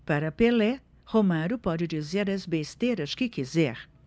para pelé romário pode dizer as besteiras que quiser